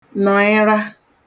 nọ̀ịra